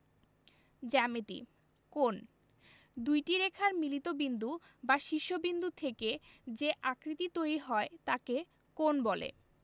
জ্যামিতিঃ কোণঃ দুইটি রেখার মিলিত বিন্দু বা শীর্ষ বিন্দু থেকে যে আকৃতি তৈরি হয় তাকে কোণ বলে